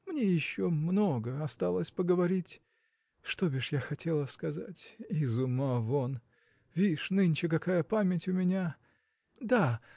– мне еще много осталось поговорить. Что бишь я хотела сказать? из ума вон. Вишь, нынче какая память у меня. да!